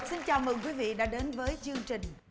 xin chào mừng quý vị đã đến với chương trình